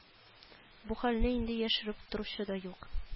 Бу хәлне инде яшереп торучы да юк